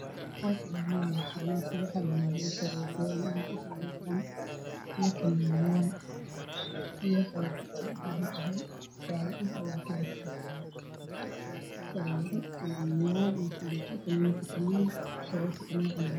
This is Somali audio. Halkaan waa farmashi waxaa yaalo sharoobooyin iyo kaniiniyo. Masaajo.